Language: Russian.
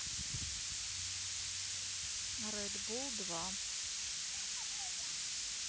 red bull два